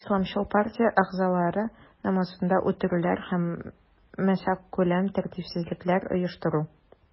Бу исламчыл партия әгъзалары намусында үтерүләр һәм массакүләм тәртипсезлекләр оештыру.